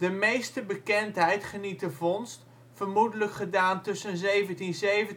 meeste bekendheid geniet de vondst, vermoedelijk gedaan tussen 1770 en 1774